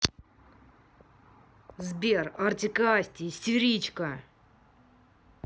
сбер artik и asti истеричка